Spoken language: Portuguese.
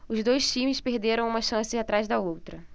os dois times perderam uma chance atrás da outra